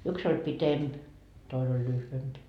yksi oli pitempi toinen oli lyhyempi